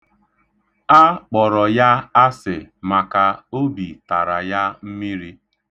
A kpọrọ ya asị maka obi tara ya mmiri.